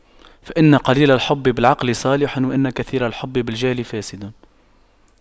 فإن قليل الحب بالعقل صالح وإن كثير الحب بالجهل فاسد